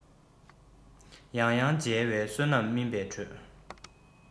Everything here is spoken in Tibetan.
ཡང ཡང མཇལ བའི བསོད ནམས སྨིན པས སྤྲོ